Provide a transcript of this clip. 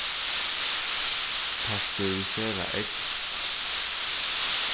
pasteuriserað egg